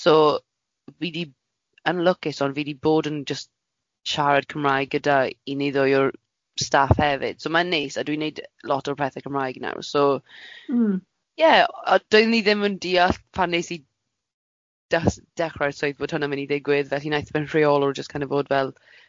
So fi di- yn lwcus ond fi di bod yn jyst siarad Cymraeg gyda un neu ddwy o'r staff hefyd. So mae'n neis a dwi'n wneud lot o'r pethe Cymraeg nawr so... M-hm. ...ie a dan ni ddim yn deallt pan wnes i da- s- dechrau'r swydd fod hwnna'n mynd i ddigwydd, felly wnaeth fy rheolwr jyst kind of bod fel.